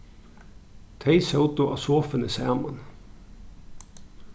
tey sótu á sofuni saman